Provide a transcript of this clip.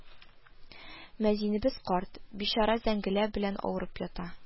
Мәзинебез карт; бичара зәңгелә белән авырып ята